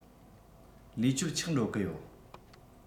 ལས ཆོད ཆག འགྲོ གི ཡོད